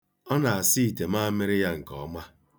Ọ na-asa itemaamịrị ya nke ọma.